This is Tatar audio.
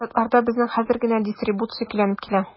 Штатларда безнең хәзер генә дистрибуция көйләнеп килә.